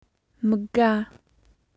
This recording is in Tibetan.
མི དགའ